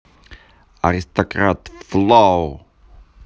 аристократ флоу